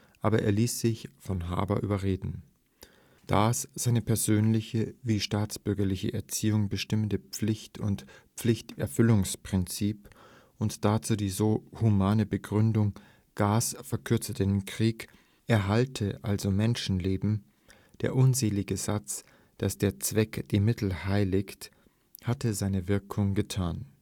Aber er ließ sich von Haber überreden. Das seine persönliche wie die staatsbürgerliche Erziehung bestimmende Pflicht - und Pflichterfüllungsprinzip und dazu die so ' humane ' Begründung, Gas verkürze den Krieg, erhalte also Menschenleben – der unselige Satz, dass der Zweck die Mittel heiligt – hatte seine Wirkung getan